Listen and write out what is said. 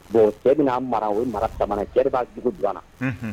Bon cɛ bɛna mara o mara sabanan cɛ dugu don na